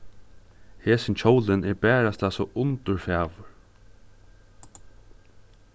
hesin kjólin er barasta so undurfagur